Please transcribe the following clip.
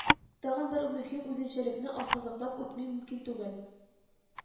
Тагын бер мөһим үзенчәлекне ассызыклап үтми мөмкин түгел